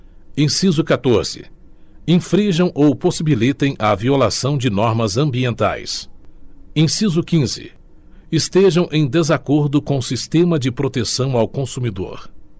inciso quartoze infrinjam ou possibilitem a violação de normas ambientais inciso quinze estejam em desacordo com o sistema de proteção ao consumidor